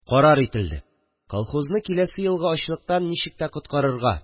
Карар ителде: колхозны киләсе елгы ачлыктан ничек тә коткарырга